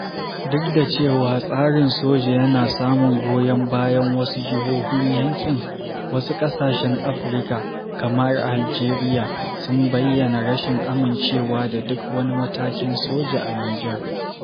Duk da cewa tsarin soja yana samun goyon bayan wasu jihohin yankin, wasu ƙasashen Afirka, kamar Algeria, sun bayyana rashin amincewa da duk wani matakin soja a Nijar.